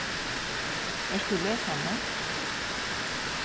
ert tú lesandi